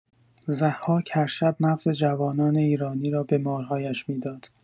ضحاک هر شب مغز جوانان ایرانی را به مارهایش می‌داد.